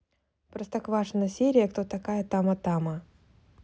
простоквашино серия кто такая тама тама